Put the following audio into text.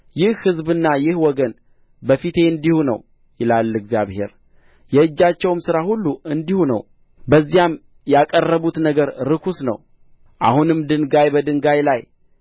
ይህ ሕዝብና ይህ ወገን በፊቴ እንዲሁ ነው ይላል እግዚአብሔር የእጃቸውም ሥራ ሁሉ እንዲሁ ነው በዚያም ያቀረቡት ነገር ርኩስ ነው አሁንም ድንጋይ በድንጋይ ላይ